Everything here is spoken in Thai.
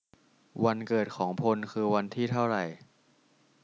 วันเกิดของพลคือวันที่เท่าไร